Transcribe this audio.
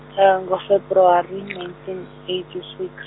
ngo- February nineteen eight six.